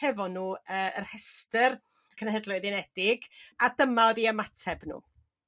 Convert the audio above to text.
hefo n'w y y rhestr Cenhedloedd Unedig a dyma o'dd i ymateb n'w.